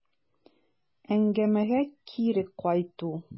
Әңгәмәгә кире кайту.